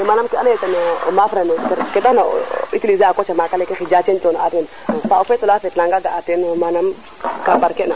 mais manam ke ando naye teno maaf ra ndel ke tax na o utiliser a koca maaka le xija teen cono a teen o feeto la feet nanag ga a teen manam ka barke na